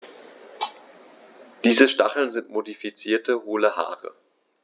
Diese Stacheln sind modifizierte, hohle Haare.